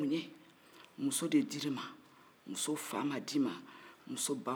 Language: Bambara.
muso fa ma d'i ma muso ba ma d'i ma